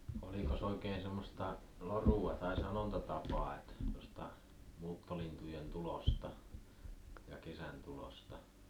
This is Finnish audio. olikos oikein semmoista lorua tai sanontatapaa että tuosta muuttolintujen tulosta ja kesän tulosta